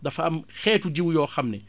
dafa am xeetu jiwu yoo xam ne